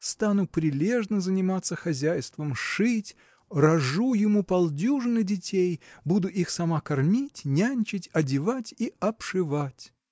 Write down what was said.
Стану прилежно заниматься хозяйством, шить рожу ему полдюжины детей буду их сама кормить нянчить одевать и обшивать.